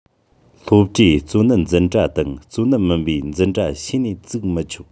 སློབ གྲྭས གཙོ གནད འཛིན གྲྭ དང གཙོ གནད མིན པའི འཛིན གྲྭ ཕྱེ ནས བཙུགས མི ཆོག